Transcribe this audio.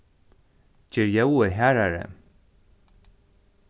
ger ljóðið harðari